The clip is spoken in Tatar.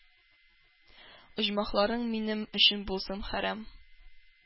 «оҗмахларың минем өчен булсын хәрам;